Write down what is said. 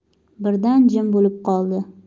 birdan jim bo'lib qoldi